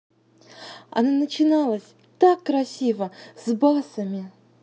она начиналась так красиво с басами